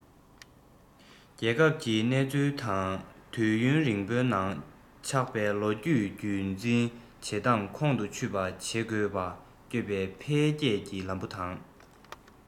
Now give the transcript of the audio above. རྒྱལ ཁབ ཀྱི གནས ཚུལ དང དུས ཡུན རིང པོའི ནང ཆགས པའི ལོ རྒྱུས རྒྱུན འཛིན བྱེད སྟངས ཁོང དུ ཆུད པ བྱེད དགོས ལ བསྐྱོད པའི འཕེལ རྒྱས ཀྱི ལམ བུ དང